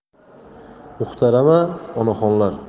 muhtarama onaxonlar